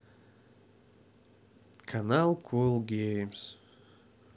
канал кул геймс